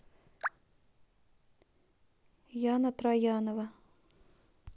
яна троянова